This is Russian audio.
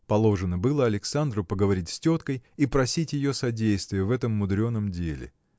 Положено было Александру поговорить с теткой и просить ее содействия в этом мудреном деле.